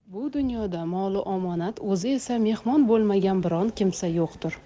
bu dunyoda moli omonat o'zi esa mehmon bo'lmagan biron kimsa yo'qtur